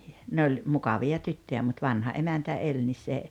ne oli mukavia tyttöjä mutta vanha emäntä eli niin se